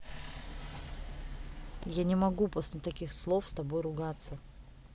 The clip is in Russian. я не могу после таких слов с тобой ругаться